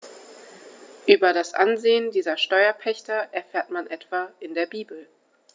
Über das Ansehen dieser Steuerpächter erfährt man etwa in der Bibel.